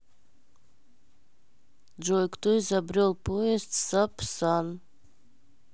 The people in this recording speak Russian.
джой кто изобрел поезд сапсан